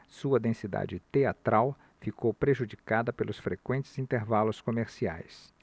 sua densidade teatral ficou prejudicada pelos frequentes intervalos comerciais